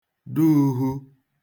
duūhū